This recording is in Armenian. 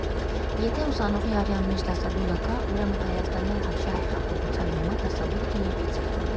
Եթե ուսանողի արյան մեջ դասադուլը կա, ուրեմն հայաստանյան Թավշյա հեղափոխության համար դասադուլ Կիևից էլ կանի։